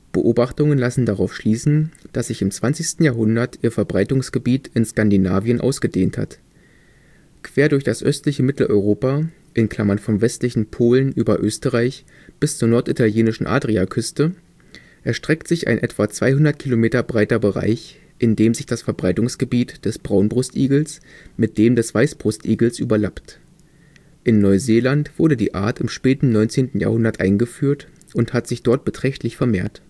Beobachtungen lassen darauf schließen, dass sich im 20. Jahrhundert ihr Verbreitungsgebiet in Skandinavien ausgedehnt hat. Quer durch das östliche Mitteleuropa (vom westlichen Polen über Österreich bis zur norditalienischen Adriaküste) erstreckt sich ein etwa 200 Kilometer breiter Bereich, in dem sich das Verbreitungsgebiet des Braunbrustigels mit dem des Weißbrustigels überlappt. In Neuseeland wurde die Art im späten 19. Jahrhundert eingeführt und hat sich dort beträchtlich vermehrt